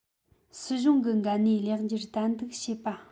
སྲིད གཞུང གི འགན ནུས ལེགས འགྱུར ཏན ཏིག བྱེད པ